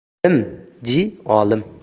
bilimji olim